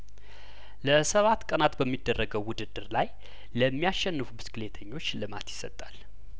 ለሰባት ቀናት በሚደረገው ውድድር ላይ ለሚ ያሸንፉ ብስክሌ ተኞች ሽልማት ይሰጣል